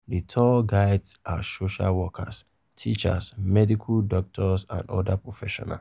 The tour guides are social workers, teachers, medical doctors and other professionals.